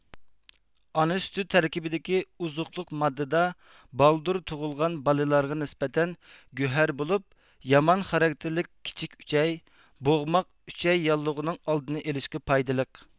ئانا سۈتى تەركىبىدىكى ئوزۇقلۇق ماددىدا بالدۇر تۇغۇلغان بالىلارغا نىسبەتەن گۆھەر بولۇپ يامان خاراكتېرلىك كىچىك ئۈچەي بوغماق ئۈچەي ياللۇغىنىڭ ئالدىنى ئېلىشقا پايدىلىق